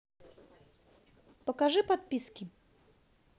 покажи подписки